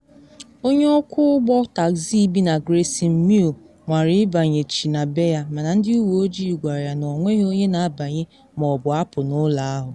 Onye ọkwọ ụgbọ taksị bi na Grayson Mew nwara ịbanyechi na be ya mana ndị uwe ojii gwara ya na ọ nweghị onye na abanye ma ọ bụ apụ n’ụlọ ahụ.